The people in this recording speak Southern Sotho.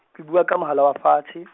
ke bua ka mohala wa fatse .